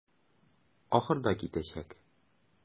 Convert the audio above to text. Ахырда китәчәк.